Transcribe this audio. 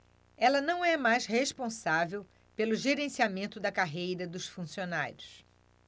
ela não é mais responsável pelo gerenciamento da carreira dos funcionários